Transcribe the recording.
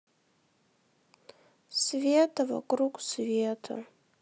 света вокруг света